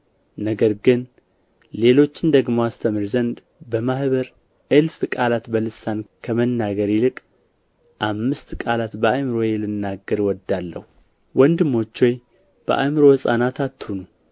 ነገር ግን ሌሎችን ደግሞ አስተምር ዘንድ በማኅበር እልፍ ቃላት በልሳን ከመናገር ይልቅ አምስት ቃላት በአእምሮዬ ልናገር እወዳለሁ ወንድሞች ሆይ በአእምሮ ሕፃናት አትሁኑ